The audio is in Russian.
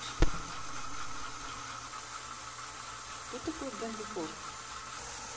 кто такой генри форд